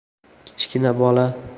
kichkina bola